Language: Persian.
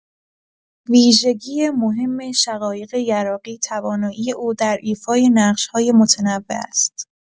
ویژگی مهم شقایق یراقی توانایی او در ایفای نقش‌های متنوع است.